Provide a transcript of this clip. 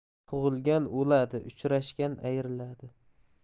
tug'ilgan o'ladi uchrashgan ayriladi